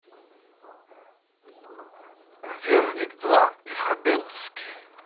верник два и хабенский